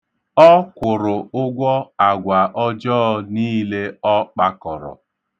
Ọ kwụrụ ụgwọ agwa ọjọọ niile ọ kpakọrọ.